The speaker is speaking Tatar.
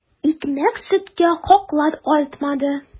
Икмәк-сөткә хаклар артмады.